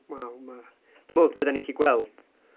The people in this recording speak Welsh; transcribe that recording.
Wel 'ma... dwi'n meddwl bydden ni'n gallu gweld...